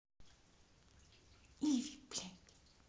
ivi блядь